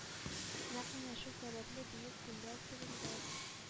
Нәкъ менә шул сәбәпле Бөек күлләр төбендә